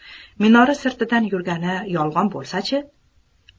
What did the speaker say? minora sirtidan yurgani yolg'on bo'lsa chi